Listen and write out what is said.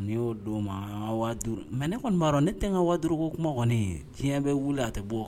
N y'o don madu mɛ ne kɔni'a ne tɛ ka wadu ko kuma kɔni tiɲɛ bɛ wuli a tɛ bɔ